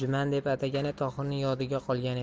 juman deb atagani tohirning yodida qolgan edi